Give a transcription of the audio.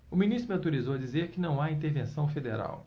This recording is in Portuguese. o ministro me autorizou a dizer que não há intervenção federal